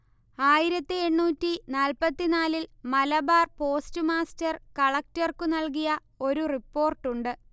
ആയിരത്തിയെണ്ണൂറ്റി നാല്പത്തിനാല്ൽ മലബാർ പോസ്റ്റ്മാസ്റ്റർ കളക്ടർക്കു നൽകിയ ഒരു റിപ്പോർട്ടുണ്ട്